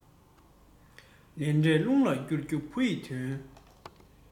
ལས འབྲས རླུང ལ བསྐུར རྒྱུ བུ ཡི དོན